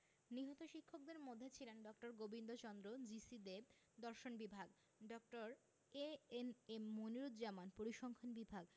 নিহত শিক্ষকদের মধ্যে ছিলেন ড. গোবিন্দচন্দ্র জি.সি দেব দর্শন বিভাগ ড. এ.এন.এম মনিরুজ্জামান পরিসংখান বিভাগ